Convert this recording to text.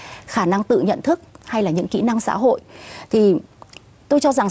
khả năng tự nhận thức hay là những kỹ năng xã hội thì tôi cho rằng